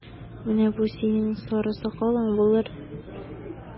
Менә бу синең сары сакалың булыр!